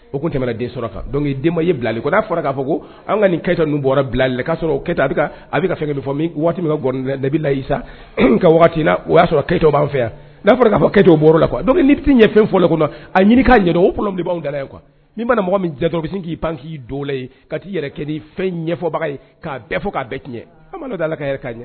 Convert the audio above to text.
O tun tɛmɛna den sɔrɔ denba y ye bilali ko n'a fɔra k'a ko ka nin kɛ ninnu bila la'a sɔrɔ a fɛn fɔ min la sa waati o y'a sɔrɔ kɛ b'an fɛ yan n'a fɔra k'a kɛw la kuwa' ɲɛ fɔlɔ kɔnɔ a ɲini k'a ɲɛ o bolo b'an da min mana mɔgɔ min jafin k'i pan k'i dɔw la ka taa ii yɛrɛ kɛ' fɛn ɲɛfɔbaga ye k'a fɔ k'a tiɲɛ da la ka k' ɲɛ